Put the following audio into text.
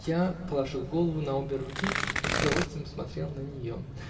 Я положил голову на обе руки и с удовольствием смотрел на нее.